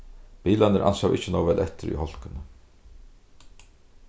bilarnir ansaðu ikki nóg væl eftir í hálkuni